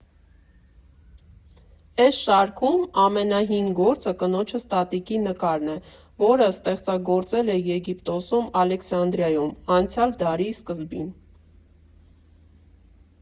Էս շարքում ամենահին գործը կնոջս տատիկի նկարն է, որն ստեղծագործել է Եգիպտոսում՝ Ալեքսանդրիայում, անցյալ դարի սկզբին։